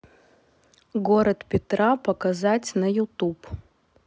город петра показать на ютуб